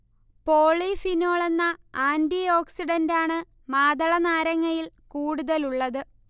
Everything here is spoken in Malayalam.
പോളിഫിനോൾ എന്ന ആന്റിഓക്സിഡന്റാണ് മാതളനാരങ്ങയിൽ കൂടുതലുള്ളത്